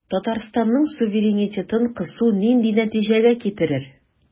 Татарстанның суверенитетын кысу нинди нәтиҗәгә китерер?